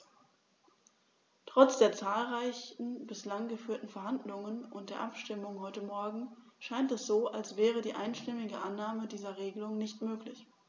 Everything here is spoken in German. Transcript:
Trotz der zahlreichen bislang geführten Verhandlungen und der Abstimmung heute Morgen scheint es so, als wäre die einstimmige Annahme dieser Regelung nicht möglich.